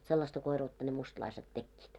vot sellaista koiruutta ne mustalaiset tekivät